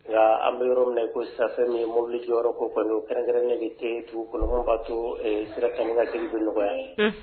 Nga an bi yɔrɔ min na iko sisan fɛn min ye mobili yɔrɔ ko kɛrɛnkɛrɛnnen de ti dugu kɔnɔ mɔgɔw ka to sira taa ni ka segin be nɔgɔya .